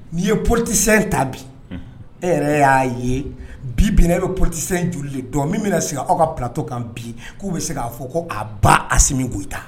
N'i ye potisɛ in ta bi e yɛrɛ y'a ye bi bin e bɛ potisɛ in joli de dɔn min bɛna sigi aw ka ptɔ kan bi k'u bɛ se k'a fɔ ko a ba a simi koyita